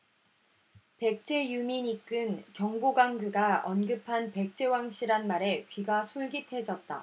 백제 유민 이끈 경복왕그가 언급한 백제왕씨란 말에 귀가 솔깃해졌다